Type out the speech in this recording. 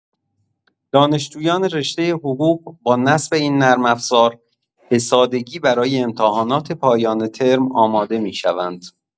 دانشجویان رشتۀ حقوق با نصب این نرم‌افزار به‌سادگی برای امتحانات پایان ترم آماده می‌شوند.